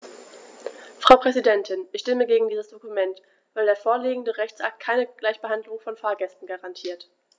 Frau Präsidentin, ich stimme gegen dieses Dokument, weil der vorliegende Rechtsakt keine Gleichbehandlung von Fahrgästen garantiert.